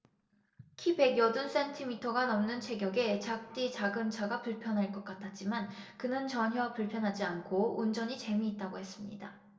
키 백 여든 센티미터가 넘는 체격에 작디 작은 차가 불편할 것 같았지만 그는 전혀 불편하지 않고 운전이 재미있다고 했습니다